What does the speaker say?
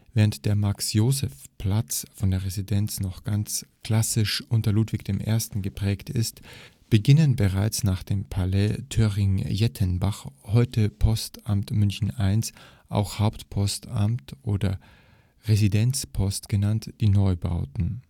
Während der Max-Joseph-Platz vor der Residenz noch ganz klassiztisch durch Ludwig I. geprägt ist, beginnen bereits nach dem Palais Toerring-Jettenbach (heute Postamt München 1, auch Hauptpost oder Residenzpost genannt) die Neubauten